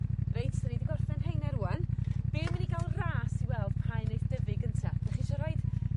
Reit 'dyn ni 'di gorffen rheina rŵan be' am i ni ga'l ras i weld pa un neith dyfu gynta, 'dach chi isio rhoid